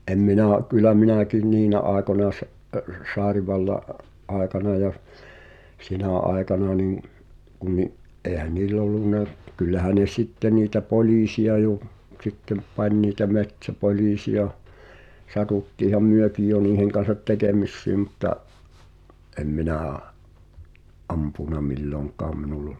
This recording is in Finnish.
en minä kyllä minäkin niinä aikoina -- tsaarinvallan aikana ja siinä aikana niin kun niin eihän niillä ollut kyllähän ne sitten niitä poliisia jo sitten pani niitä metsäpoliisia satuttiinhan mekin jo niiden kanssa tekemisiin mutta en minä ampunut milloinkaan minulla -